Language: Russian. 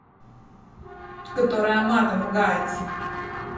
которая матом ругается